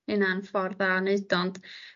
ynna'n ffordd dda o neud o ond